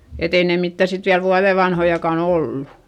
että ei ne mitään sitten vielä vuoden vanhojakaan ollut